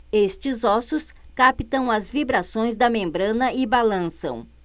estes ossos captam as vibrações da membrana e balançam